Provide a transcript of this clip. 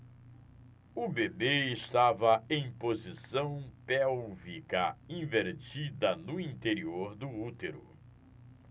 o bebê estava em posição pélvica invertida no interior do útero